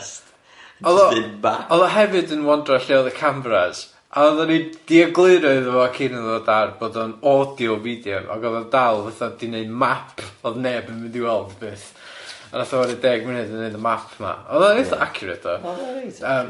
O'dd o o'dd o hefyd yn wondro lle o'dd y cameras a oddan ni 'di egluro iddo fo cyn iddo fo ddod ar bod o'n audio video ag o'dd o dal fatha di neud map o'dd neb yn mynd i weld byth a nath o wario deg munud yn neud y map 'ma o'dd o'n eitha accurate... Oddo reit accurate.